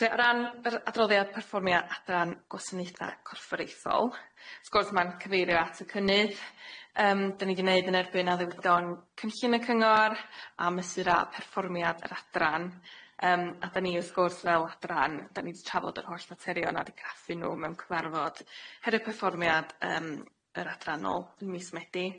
So ie o ran yr adroddiad perfformia adran gwasanaethe corfforaethol sgwrs ma'n cyfeirio at y cynnydd yym dan ni di neud yn erbyn addewido'n cynllun y Cyngor a mesura perfformiad yr adran yym a dan ni wrth gwrs fel adran dan ni'n trafod yr holl ddaterion a di graffu nw mewn cyfarfod heri'r perfformiad yym yr adran nôl yn mis Medi.